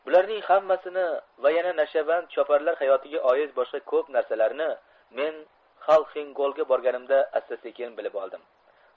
bularning hammasini va yana nashavand choparlar hayotiga oid boshqa ko'p narsalarni men xalxingobga borganimda asta sekin bilib oldim